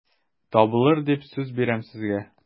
Табылыр дип сүз бирәм сезгә...